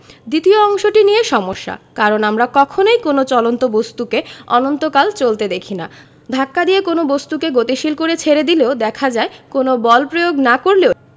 দ্বিতীয় অংশটি নিয়ে সমস্যা কারণ আমরা কখনোই কোনো চলন্ত বস্তুকে অনন্তকাল চলতে দেখি না ধাক্কা দিয়ে কোনো বস্তুকে গতিশীল করে ছেড়ে দিলেও দেখা যায় কোনো বল প্রয়োগ না করলেও